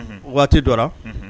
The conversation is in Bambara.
Waati dɔ